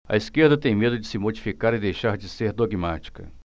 a esquerda tem medo de se modificar e deixar de ser dogmática